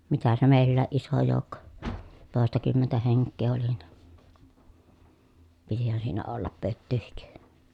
mitä se meilläkin iso joukko toistakymmentä henkeä oli niin pitihän siinä olla pötyäkin